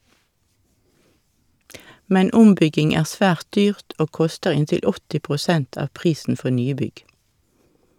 Men ombygging er svært dyrt, og koster inntil 80 prosent av prisen for nybygg.